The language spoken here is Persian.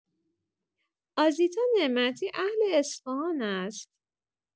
آزیتا نعمتی اهل اصفهان است؛